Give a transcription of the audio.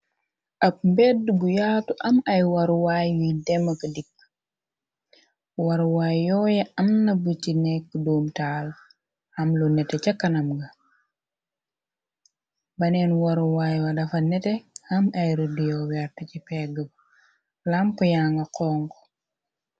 ab mbedd bu yaatu am ay waruwaay yuy demokadik waruwaay yooye anna bu ci nekk doom taal am lu nete cakanam ga baneen waruwaay wa dafa nete am ay rudiowert ci pegg b làmp yanga xong